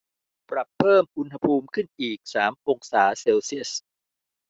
ปรับเพิ่มอุณหภูมิขึ้นอีกสามองศาเซลเซียส